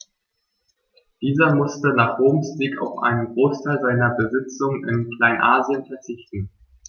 Dieser musste nach Roms Sieg auf einen Großteil seiner Besitzungen in Kleinasien verzichten.